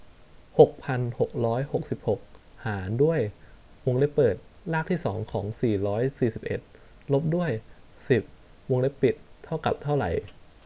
หกพันหกร้อยหกสิบหกหารด้วยวงเล็บเปิดรากที่สองของสี่ร้อยสี่สิบเอ็ดลบด้วยสิบวงเล็บปิดเท่ากับเท่าไหร่